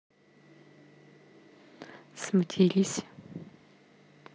сматерись